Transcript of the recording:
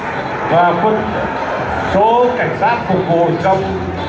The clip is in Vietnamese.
và quân số cảnh sát phục vụ trong